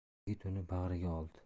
yigit uni bag'riga oldi